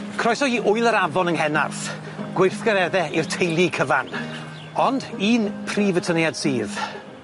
Croeso i wŷl yr afon yng Nghenarth gweithgaredde i'r teulu cyfan ond un prif atyniad sydd.